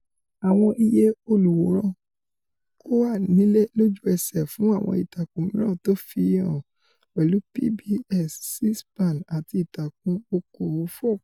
Àwọn iye olùwòran kòwá nílẹ̀ lójú ẹsẹ fún àwọn ìtàkùn mìíràn tó fi i hàn, pẹ̀lú PBS, C-SPAN àti Ìtàkùn Oko-òwò Fox.